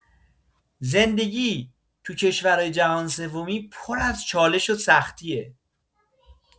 زندگی تو کشورای جهان‌سومی پر از چالش و سختیه.